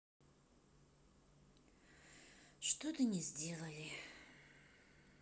что то не сделали